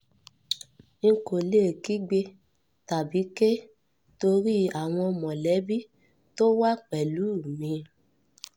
N kò lè kígbe tàbí ké torí àwọn mọ̀lẹbí t’ọ́n wà pẹ̀lú mi.